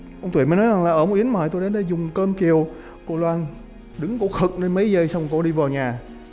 ông tuyển mới nói rằng là ờ ông yến mời tôi đến đây dùng cơm chiều cô loan đứng cô khựng nên mấy giây xong cô đi vào nhà